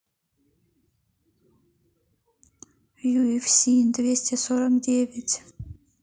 юфс двести сорок девять